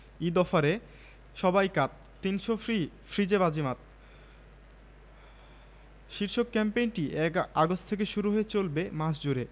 সাক্ষাতের সময়ঃসকাল ৮টা থেকে ১০টা বিকাল ৫টা থেকে ১০টা